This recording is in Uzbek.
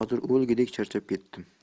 hozir o'lgudek charchab ketdim